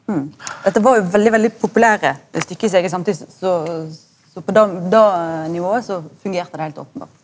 dette var jo veldig veldig populære stykke i si eiga samtid så så så på det nivået så fungerte det heilt openbert.